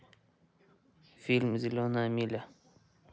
фильм зеленая миля